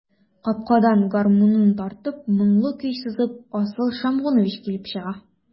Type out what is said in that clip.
Капкадан, гармунын тартып, моңлы көй сызып, Асыл Шәмгунович килеп чыга.